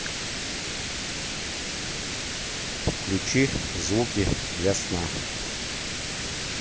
включи звуки для сна